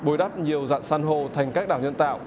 bồi đắp nhiều rạn san hô thành các đảo nhân tạo